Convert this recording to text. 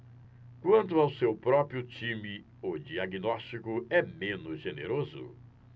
quanto ao seu próprio time o diagnóstico é menos generoso